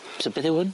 So beth yw hwn?